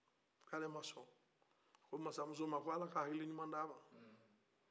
ko ale ma sɔn ko masamuso ma ko ala ka hakili ɲuman di a ma